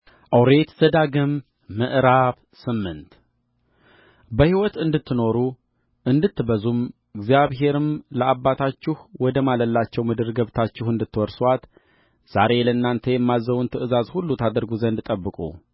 ኦሪት ዘዳግም ምዕራፍ ስምንት በሕይወት እንድትኖሩ እንድትበዙም እግዚአብሔርም ለአባቶቻችሁ ወደ ማለላቸው ምድር ገብታችሁ እንድትወርሱአት ዛሬ ለአንተ የማዝዘውን ትእዛዝ ሁሉ ታደርጉ ዘንድ ጠብቁ